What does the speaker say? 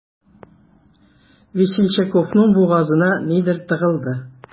Весельчаковның бугазына нидер тыгылды.